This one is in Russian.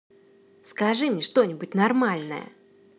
скажи мне что нибудь нормальное